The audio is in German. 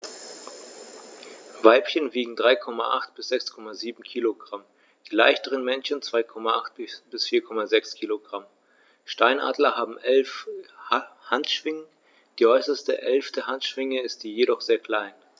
Weibchen wiegen 3,8 bis 6,7 kg, die leichteren Männchen 2,8 bis 4,6 kg. Steinadler haben 11 Handschwingen, die äußerste (11.) Handschwinge ist jedoch sehr klein.